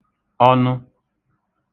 ọnụ